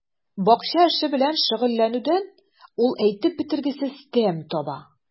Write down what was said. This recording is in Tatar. Бакча эше белән шөгыльләнүдән ул әйтеп бетергесез тәм таба.